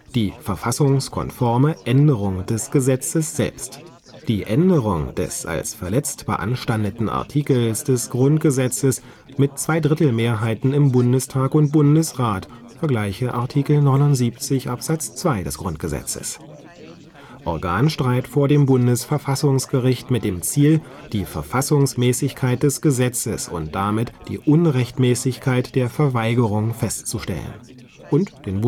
die (verfassungskonforme) Änderung des Gesetzes selbst, die Änderung des als verletzt beanstandeten Artikels des Grundgesetzes (mit Zweidrittelmehrheiten in Bundestag und Bundesrat, vgl. Art. 79 Abs. 2 GG), Organstreit vor dem Bundesverfassungsgericht mit dem Ziel, die Verfassungsmäßigkeit des Gesetzes und damit die Unrechtmäßigkeit der Verweigerung festzustellen und den